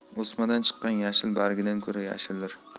o'smadan chiqqan yashil bargidan ko'ra yashildir